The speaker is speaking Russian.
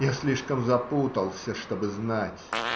Я слишком запутался, чтобы знать.